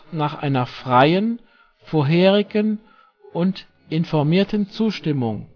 nach einer Freien, Vorherigen und Informierten Zustimmung